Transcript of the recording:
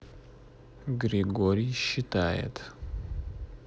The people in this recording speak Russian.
григорий считает